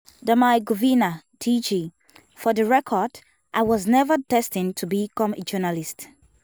Damy Govina (DG): For the record, I was never destined to become a journalist.